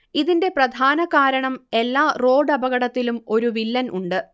ഇതിന്റെ പ്രധാന കാരണം എല്ലാ റോഡപകടത്തിലും ഒരു വില്ലൻ ഉണ്ട്